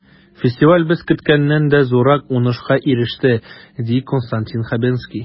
Фестиваль без көткәннән дә зуррак уңышка иреште, ди Константин Хабенский.